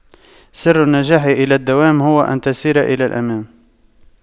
سر النجاح على الدوام هو أن تسير إلى الأمام